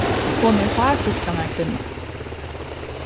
hon er hárfríðkanarkvinna